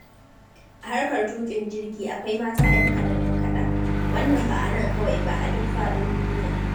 A harkar tuƙin jirgi akwai mata 'yan kaɗan, 'yan kaɗan, wannan ba a nan kawai ba, a duk faɗin duniya.